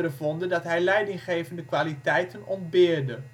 vonden dat hij leidinggevende kwaliteiten ontbeerde